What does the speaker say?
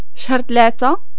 شهر تلاتة